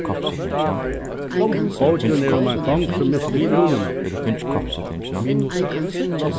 bókin er um ein kong sum misti krúnuna